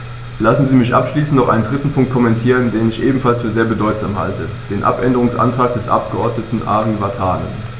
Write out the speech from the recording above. Lassen Sie mich abschließend noch einen dritten Punkt kommentieren, den ich ebenfalls für sehr bedeutsam halte: den Abänderungsantrag des Abgeordneten Ari Vatanen.